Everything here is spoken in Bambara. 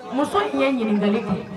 Muso tun ye ɲininkaka fɛ